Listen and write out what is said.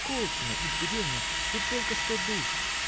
Колчино — их деревня, тут только сто душ.